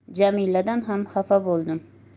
jamiladan ham xafa bo'ldim